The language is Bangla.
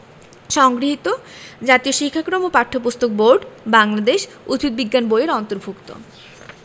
সংগৃহীত জাতীয় শিক্ষাক্রম ও পাঠ্যপুস্তক বোর্ড বাংলাদেশ উদ্ভিদ বিজ্ঞান বই এর অন্তর্ভুক্ত